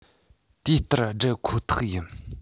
དེ ལྟར བསྒྲུབ ཁོ ཐག ཡིན